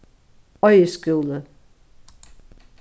eiðis skúli